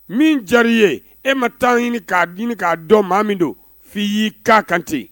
Min diyara ye e ma taa' ɲini k'a k'a dɔn maa min don f' y'i k'a kante